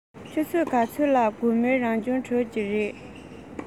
ཆུ ཚོད ག ཚོད ལ དགོང མོའི རང སྦྱོང གྲོལ གྱི རེད